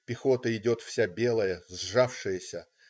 Пехота идет вся белая, сжавшаяся.